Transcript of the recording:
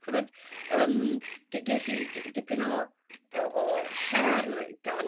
Ch'mod yrm ge- ges i d- dipyn o o o her gan